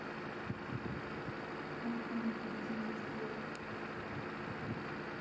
афина ты безмозглая